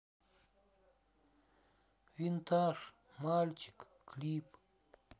винтаж мальчик клип